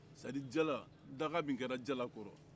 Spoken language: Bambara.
c'est a dire jala daka min kɛra jala kɔrɔ